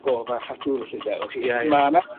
gof a chadw felly ynde welwch chi... Ia ia. ...ma' 'na